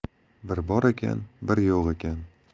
bir bor ekan bir yo'q ekan